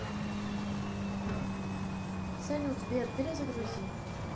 салют сбер перезагрузи